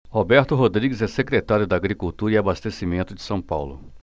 roberto rodrigues é secretário da agricultura e abastecimento de são paulo